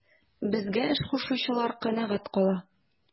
Безгә эш кушучылар канәгать кала.